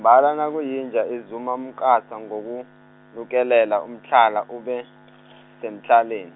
mbala nakuyinja ezuma umqasa ngokunukelela umtlhala ube, semtlhaleni.